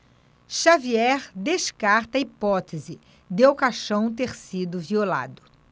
xavier descarta a hipótese de o caixão ter sido violado